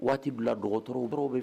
Waati bila dɔgɔkun dɔgɔtɔrɔ bɛ fɛ